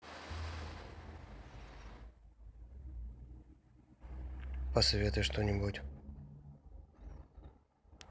посоветуй что нибудь